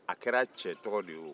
a kɛra cɛ tɔgɔ de ye wo